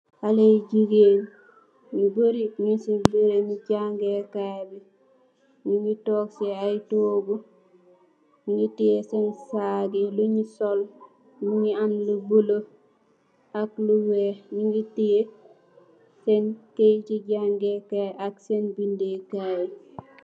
Haleh yu jegain yu bary nugse barebu jangekay be nuge tonke se aye toogu nuge teyeh se sacc yee lunu sol muge am lu bluelo ak lu weehe nuge teyeh sen kayete jagekay ak sen bedeh kaye.